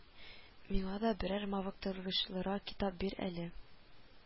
Миңа да берәр мавыктыргычлырак китап бир әле